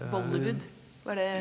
Bollywood, var det?